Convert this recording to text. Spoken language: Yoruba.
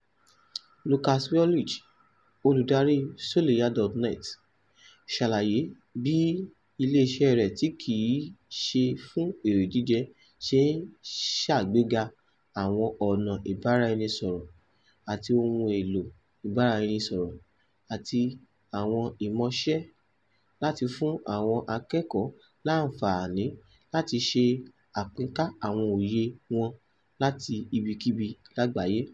- Lucas Welsh, Olùdarí Soliya.net, sàlàyé bí ilé iṣẹ́ rẹ̀ tí kìí se fún èrè jíjẹ ṣe ń ṣàgbéga àwọn ọ̀nà ìbáraẹnisọ̀rọ̀ àti àwọn ohun èlò ìbáraẹnisọ̀rọ̀ àti àwọn ìmọṣẹ́ láti fún àwọn akẹ́kọ̀ọ́ láǹfààní láti ṣe àpínká àwọn ìwòye wọn láti ibikíbi lágbàáyé.